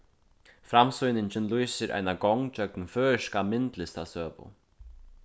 framsýningin lýsir eina gongd gjøgnum føroyska myndlistasøgu